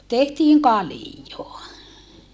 tehtiin kaljaa